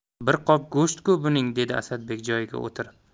bir qop go'sht ku buning dedi asadbek joyiga o'tirib